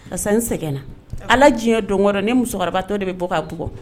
Ayi sa n sɛgɛnna, Ala diɲɛ don o don ne musokɔrɔbatɔ de bɛ bɔ ka bugɔ